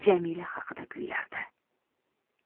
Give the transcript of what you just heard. jamila haqida kuylardi